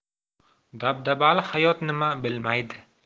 dabdabali hayot nima bilmaydi